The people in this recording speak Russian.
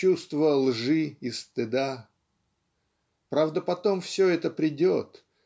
чувство лжи и стыда Правда потом все это придет